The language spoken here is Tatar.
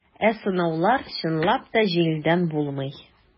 Ә сынаулар, чынлап та, җиңелдән булмый.